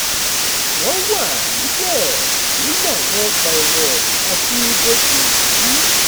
WỌ́N WÀ NÍBẸ̀: NÍNÚ ÀWỌN ỌGBÀ Ẹ̀WỌ̀N ÀTI IBOJÌ-ÒKÚ.